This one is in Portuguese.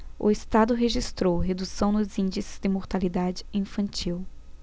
o estado registrou redução nos índices de mortalidade infantil